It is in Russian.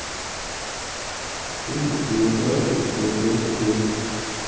улица некрасовская дом семь